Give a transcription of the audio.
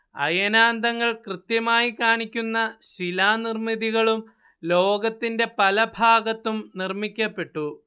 അയനാന്തങ്ങൾ കൃത്യമായി കാണിക്കുന്ന ശിലാനിർമ്മിതികളും ലോകത്തിന്റെ പലഭാഗത്തും നിർമ്മിക്കപ്പെട്ടു